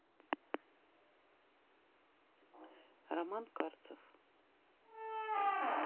роман карцев